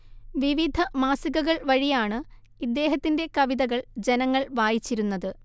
വിവിധ മാസികകൾ വഴിയാണ് ഇദ്ദേഹത്തിന്റെ കവിതകൾ ജനങ്ങൾ വായിച്ചിരുന്നത്